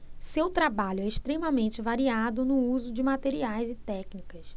seu trabalho é extremamente variado no uso de materiais e técnicas